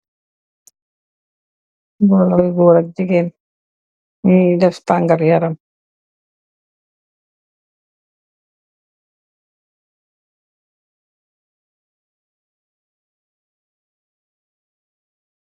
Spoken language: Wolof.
Mboloyi gór ak gigeen ñuuy def tangal yaram.